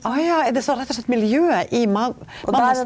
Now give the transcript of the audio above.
å ja er det sånn rett og slett miljøet i og berre.